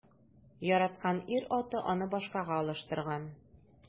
Яраткан ир-аты аны башкага алыштырган.